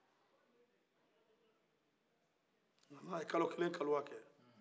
graba a ye kalo kelen kaliwa kɛ